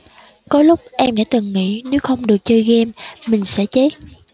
có lúc em đã từng nghĩ nếu không được chơi game mình sẽ chết